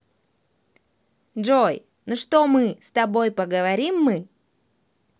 джой ну что мы с тобой поговорим мы